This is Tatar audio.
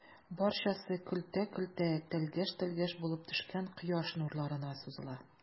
Барчасы көлтә-көлтә, тәлгәш-тәлгәш булып төшкән кояш нурларына сузыла.